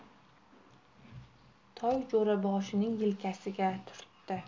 toy jo'raboshining yelkasiga turtdi